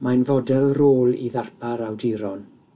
Mae'n fodel rôl i ddarpar awduron